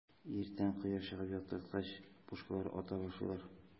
Иртән кояш чыгып яктыргач, пушкалар ата башлыйлар.